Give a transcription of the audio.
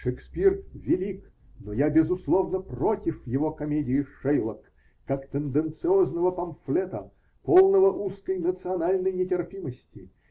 Шекспир -- велик, но я безусловно против его комедии "Шейлок" как тенденциозного памфлета, полного узкой национальной нетерпимости